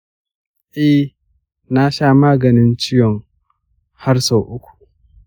eh, nasha maganin ciwo har sau biyu.